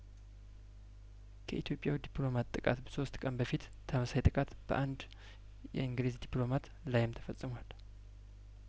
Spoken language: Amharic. ከኢትዮጵያ ው ዲፕሎማት ጥቃት ሶስት ቀን በፊት ተመሳሳይ ጥቃት በአንድ የእንግሊዝ ዲፕሎማት ላይም ተፈጽሟል